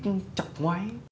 chọc ngoáy